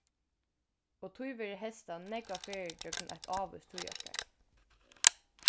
og tí verður heystað nógvar ferðir gjøgnum eitt ávíst tíðarskeið